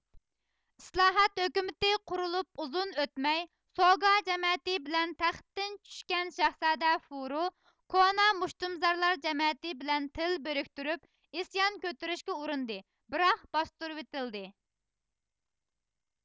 ئىسلاھات ھۆكۈمىتى قۇرۇلۇپ ئۇزۇن ئۆتمەي سوگا جەمەتى بىلەن تەختتىن چۈشكەن شاھزادە فۇرو كونا مۇشتۇمزورلار جەمەتى بىلەن تىل بىرىكتۈرۈپ ئىسيان كۆتۈرۈشكە ئۇرۇندى بىراق باستۇرۇۋېتىلدى